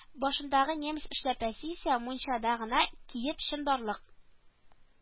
Башындагы немец эшләпәсе исә мунчада гына киеп чынбарлык